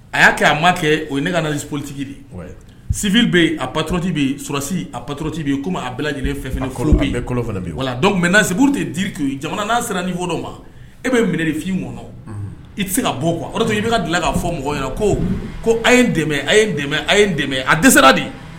A y'a kɛ a ma kɛ o ne kasi politigi di sifi bɛ yen atotigibi susi atotigibi yen komi a bɛɛ lajɛlen fɛn kɔ bɛ wa dɔn mɛna se tɛ diku jamana n' sera ni fɔ ma e bɛ minɛrifin kɔnɔ i tɛ se ka bɔ kuwa o i bɛ ka dilan ka fɔ mɔgɔ ɲɛna ko ko a ye dɛmɛ a ye a ye dɛmɛ a dɛsɛsera de